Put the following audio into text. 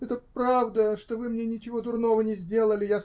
-- Это правда, что вы мне ничего дурного не сделали